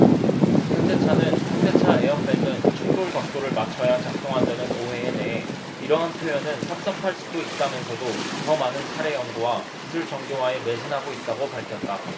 현대차는 현대차 에어백은 충돌 각도를 맞춰야 작동한다는 오해에 대해 이러한 표현은 섭섭할 수도 있다면서도 더 많은 사례 연구와 기술 정교화에 매진하고 있다고 밝혔다